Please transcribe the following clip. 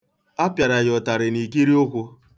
A pịara ya ụtarị n'ikrirụkwụ.